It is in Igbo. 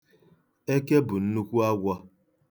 Eke bụ nnukwu agwọ.